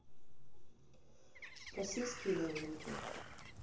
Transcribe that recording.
российские новинки